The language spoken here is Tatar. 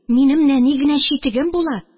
Минем нәни генә читегем була